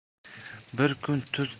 bir kun tuz ichgan